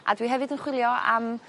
a dwi hefyd yn chwilio am